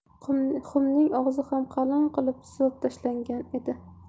xumning og'zi ham qalin qilib suvab tashlangan edi